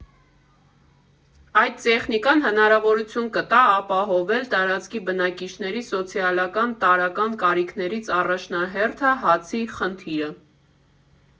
Այդ տեխնիկան հնարավորություն կտա ապահովել տարածքի բնակիչների սոցիալական տարրական կարիքներից առաջնահերթը՝ հացի խնդիրը։